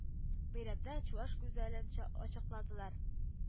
Бәйрәмдә Чуваш гүзәлен ча ачыкладылар